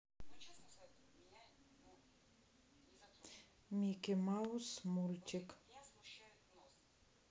микки маус мультик